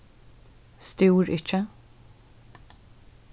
stúr ikki